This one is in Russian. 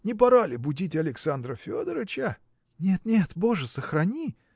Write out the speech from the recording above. – не пора ли будить Александра Федорыча? – Нет, нет, боже сохрани!